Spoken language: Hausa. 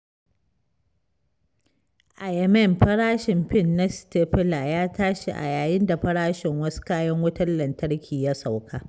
A Yemen farashin fin na sitefila ya tashi a yayin da farashin wasu kayan wutar lantarki ya sauka.